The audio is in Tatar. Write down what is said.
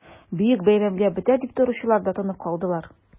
Бөек бәйрәмгә бетә дип торучылар да тынып калдылар...